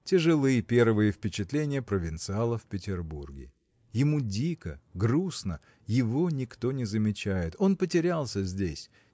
Тяжелы первые впечатления провинциала в Петербурге. Ему дико, грустно его никто не замечает он потерялся здесь